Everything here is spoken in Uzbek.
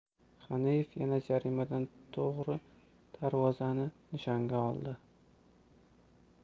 g'aniyev yana jarimadan to'g'ri darvozani nishonga oldi